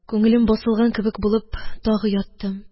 Күңелем басылган кебек булып тагы яттым